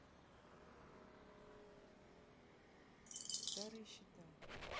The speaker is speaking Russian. старые счета